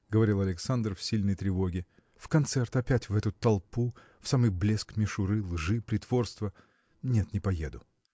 – говорил Александр в сильной тревоге – в концерт опять в эту толпу в самый блеск мишуры лжи притворства. нет, не поеду.